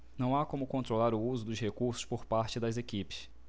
não há como controlar o uso dos recursos por parte das equipes